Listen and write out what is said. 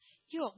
- юк